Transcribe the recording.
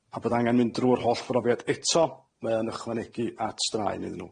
a bod angan mynd drw'r holl brofiad eto, mae o'n ychwanegu at straen iddyn nw.